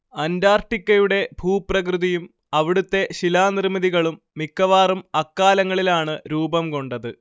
അന്റാർട്ടിക്കയുടെ ഭൂപ്രകൃതിയും അവിടുത്തെ ശിലാനിർമ്മിതികളും മിക്കവാറും അക്കാലങ്ങളിലാണ് രൂപം കൊണ്ടത്